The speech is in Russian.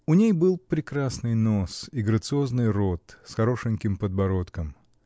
У ней был прекрасный нос и грациозный рот с хорошеньким подбородком.